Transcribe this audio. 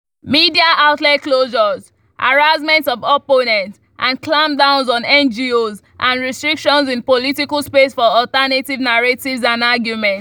Media outlet closures, harassment of opponents, and clampdowns on NGOs and restrictions in political space for alternative narratives and arguments.